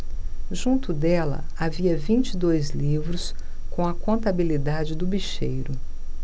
junto dela havia vinte e dois livros com a contabilidade do bicheiro